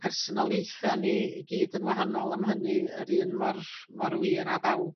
personoliaetha ni i gyd yn wahanol am hynny yr un mor mor wir â bawb